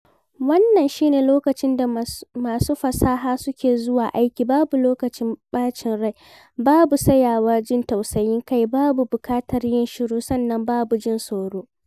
Wannan shi ne lokacin da masu fasaha suke zuwa aiki. Babu lokacin ɓacin rai, babu tsayawa jin tausayin kai, babu buƙatar yin shiru, sannan babu jin tsoro.